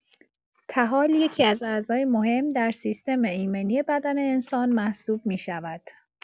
طحال یکی‌از اعضای مهم در سیستم ایمنی بدن انسان محسوب می‌شود.